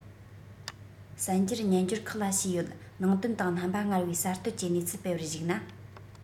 གསར འགྱུར སྨྱན སྦྱོར ཁག ལ བྱས ཡོད ནང དོན དང རྣམ པ སྔར བས གསར གཏོད ཀྱིས གནས ཚུལ སྤེལ བར གཞིགས ན